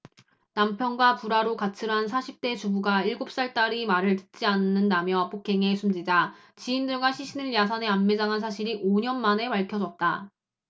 남편과 불화로 가출한 사십 대 주부가 일곱 살 딸이 말을 듣지 않는다며 폭행해 숨지자 지인들과 시신을 야산에 암매장한 사실이 오 년만에 밝혀졌다